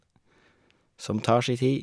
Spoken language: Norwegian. Som tar si tid.